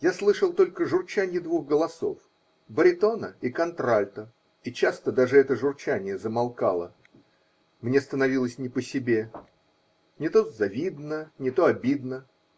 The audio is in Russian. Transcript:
Я слышал только журчанье двух голосов -- баритона и контральто, и часто даже это журчание замолкало. Мне становилось не по себе. Не то завидно, не то обидно.